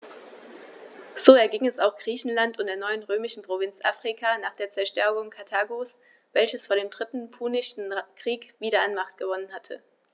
So erging es auch Griechenland und der neuen römischen Provinz Afrika nach der Zerstörung Karthagos, welches vor dem Dritten Punischen Krieg wieder an Macht gewonnen hatte.